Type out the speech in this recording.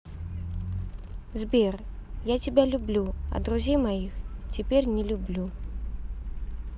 сбер я тебя люблю а друзей моих теперь не люблю